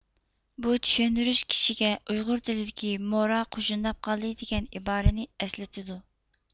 بۇ چۈشەندۈرۈش كىشىگە ئۇيغۇر تىلىدىكى مورا قۇژۇنداپ قالدى دېگەن ئىبارىنى ئەسلىتىدۇ